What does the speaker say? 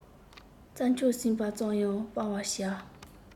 རྩྭ མཆོག ཟིལ པ ཙམ ཡང སྤང བར བྱ